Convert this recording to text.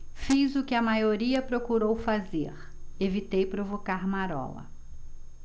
fiz o que a maioria procurou fazer evitei provocar marola